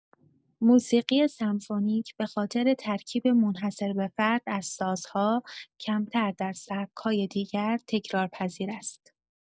موسیقی سمفونیک به‌خاطر ترکیب منحصربه‌فرد از سازها، کمتر در سبک‌های دیگر تکرارپذیر است.